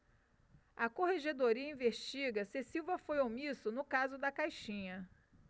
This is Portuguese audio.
a corregedoria investiga se silva foi omisso no caso da caixinha